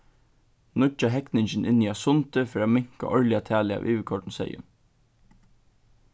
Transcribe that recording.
nýggja hegningin inni á sundi fer at minka árliga talið av yvirkoyrdum seyðum